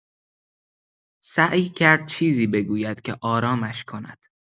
سعی کرد چیزی بگوید که آرامش کند.